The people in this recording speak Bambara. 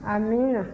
amiina